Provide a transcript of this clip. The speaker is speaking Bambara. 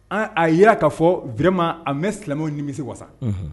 A jira k kaa fɔ vma a bɛ silamɛw nimi se wa sa